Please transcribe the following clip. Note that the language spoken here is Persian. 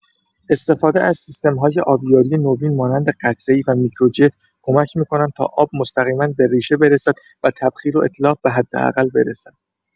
استفاده از سیستم‌های آبیاری نوین مانند قطره‌ای و میکروجت کمک می‌کند تا آب مستقیما به ریشه برسد و تبخیر و اتلاف به حداقل برسد.